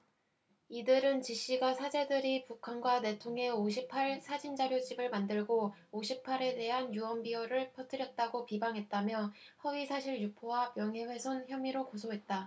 이들은 지씨가 사제들이 북한과 내통해 오 십 팔 사진자료집을 만들고 오 십 팔 에 대한 유언비어를 퍼뜨렸다고 비방했다며 허위사실 유포와 명예훼손 혐의로 고소했다